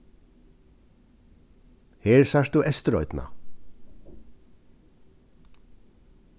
her sært tú eysturoynna